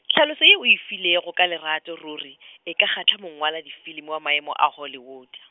tlhaloso yeo o e filego ka lerato ruri , e ka kgahla mongwaladifilimi wa maemo a Hollywood.